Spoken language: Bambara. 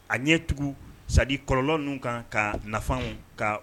A ɲɛ tugu sa kɔlɔn ninnu kan ka nafaw ka